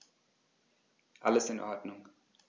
Alles in Ordnung.